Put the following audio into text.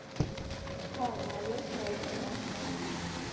Հա՜ նայես, նայվում ա։